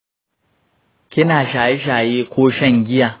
kina shaye shaye ko shan giya?